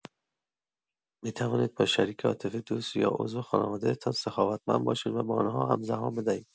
می‌توانید با شریک عاطفی، دوست یا عضو خانواده‌تان سخاوتمند باشید و به آن‌ها هم‌زمان بدهید.